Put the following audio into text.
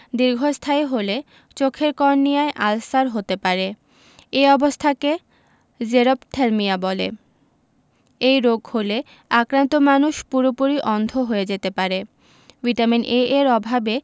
দীর্ঘস্থায়ী হলে চোখের কর্নিয়ায় আলসার হতে পারে এ অবস্থাকে জেরপ্থ্যালমিয়া বলে এই রোগ হলে আক্রান্ত মানুষ পুরোপুরি অন্ধ হয়ে যেতে পারে ভিটামিন A এর অভাবে